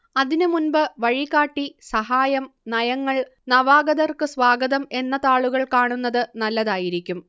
അതിനുമുൻപ് വഴികാട്ടി സഹായം നയങ്ങൾ നവാഗതർക്ക് സ്വാഗതം എന്ന താളുകൾ കാണുന്നത് നല്ലതായിരിക്കും